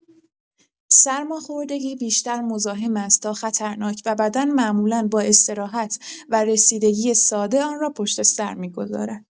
سرماخوردگی بیشتر مزاحم است تا خطرناک و بدن معمولا با استراحت و رسیدگی ساده آن را پشت‌سر می‌گذارد.